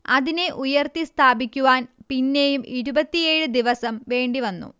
അതിനെ ഉയർത്തി സ്ഥാപിക്കുവാൻ പിന്നെയും ഇരുപത്തിയേഴ് ദിവസം വേണ്ടിവന്നു